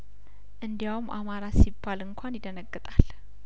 እንዲያውም አማራ ሲባል እንኳን ይደነግ ጣል